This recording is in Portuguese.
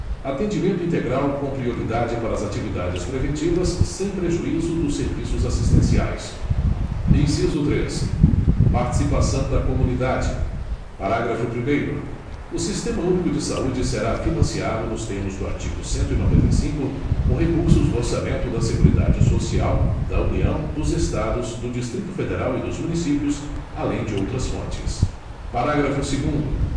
atendimento integral com prioridade para as atividades preventivas sem prejuízo dos serviços assistenciais inciso três participação da comunidade parágrafo primeiro o sistema único de saúde será financiado nos termos do artigo cento e noventa e cinco com recursos do orçamento da seguridade social da união dos estados do distrito federal e dos municípios além de outras fontes parágrafo segundo